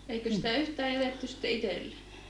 eikö sitä yhtään jätetty sitten itselle